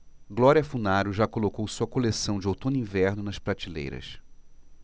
glória funaro já colocou sua coleção de outono-inverno nas prateleiras